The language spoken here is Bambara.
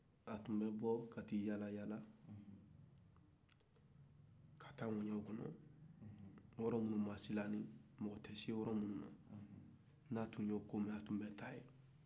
sumaworo tun bɛ bɔ ka taa i yaala yaala yɔrɔw la ma tɔw tun bɛ siran ka se yɔrɔ min na